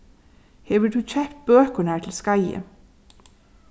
hevur tú keypt bøkurnar til skeiðið